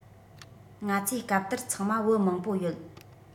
ང ཚོས སྐབས དེར ཚང མ བུ མང པོ ཡོད